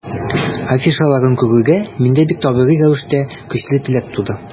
Афишаларын күрүгә, миндә бик табигый рәвештә көчле теләк туды.